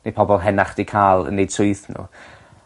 Neu pobol henach 'di ca'l yn neud swydd nhw.